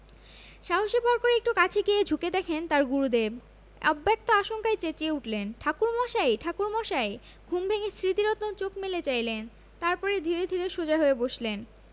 সাহসে ভর করে একটু কাছে গিয়ে ঝুঁকে দেখেন তাঁর গুরুদেব অব্যক্ত আশঙ্কায় চেঁচিয়ে উঠলেন ঠাকুরমশাই ঠাকুরমশাই ঘুম ভেঙ্গে স্মৃতিরত্ন চোখ মেলে চাইলেন তার পরে ধীরে ধীরে সোজা হয়ে বসলেন